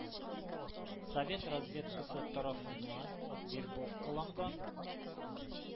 Совет разведкасы тарафыннан вербовкаланган